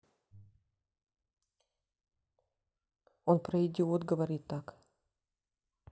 он про идиот говорит так